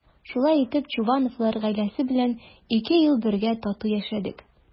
Шулай итеп Чувановлар гаиләсе белән ике ел бергә тату яшәдек.